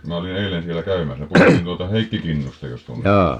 minä olin eilen siellä käymässä puhutin tuota Heikki Kinnusta jos tunnette